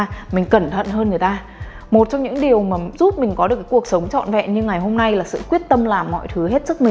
mình cẩn thận hơn người ta một trong những điều giúp mình có được cái cuộc sống trọn vẹn như ngày hôm nay là sự quyết tâm làm mọi thứ hết sức mình